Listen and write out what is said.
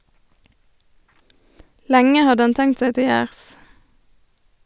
Lenge hadde han tenkt seg til jærs.